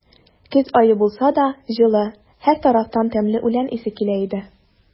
Көз ае булса да, җылы; һәр тарафтан тәмле үлән исе килә иде.